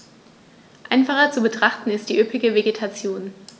Einfacher zu betrachten ist die üppige Vegetation.